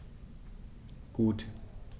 Gut.